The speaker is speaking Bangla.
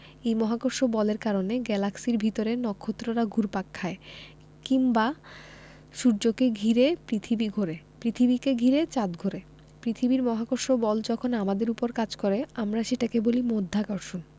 এই মহাকর্ষ বলের কারণে গ্যালাক্সির ভেতরে নক্ষত্ররা ঘুরপাক খায় কিংবা সূর্যকে ঘিরে পৃথিবী ঘোরে পৃথিবীকে ঘিরে চাঁদ ঘোরে পৃথিবীর মহাকর্ষ বল যখন আমাদের ওপর কাজ করে আমরা সেটাকে বলি মাধ্যাকর্ষণ